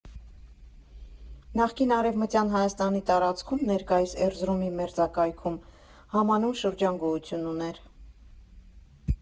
Նախկին Արևմտյան Հայաստանի տարածքում՝ ներկայիս Էրզրումի մերձակայքում, համանուն շրջան գոյություն ուներ։